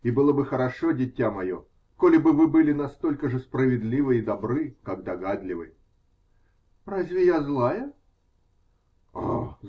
И было бы хорошо, дитя мое, коли бы вы были настолько же справедливы и добры, как догадливы. -- Разве я злая? -- Эх!